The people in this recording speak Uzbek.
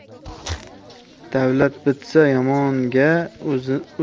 davlat bitsa yomonga